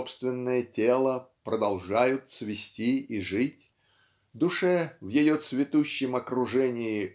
собственное тело продолжают цвести и жить душе в ее цветущем окружении